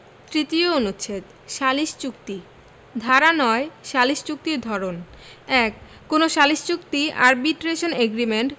তৃতীয় অনুচ্ছেদ সালিস চুক্তি ধানা ৯ সালিস চুক্তির ধরণ ১ কোন সালিস চুক্তি আরবিট্রেশন এগ্রিমেন্ট